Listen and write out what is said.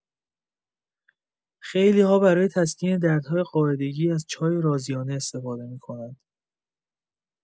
خیلی‌ها برای تسکین دردهای قاعدگی از چای رازیانه استفاده می‌کنند.